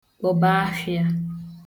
kpọbẹ afhịā